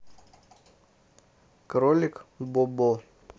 кролик бо бо